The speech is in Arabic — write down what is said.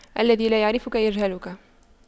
الذي لا يعرفك يجهلك